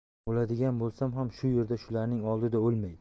o'ladigan bo'lsam ham shu yerda shularning oldida o'lmay